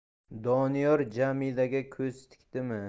doniyor jamilaga ko'z tikdimi